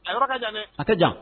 A yɔrɔ ka jan dɛ . A ka jan